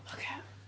Ocê.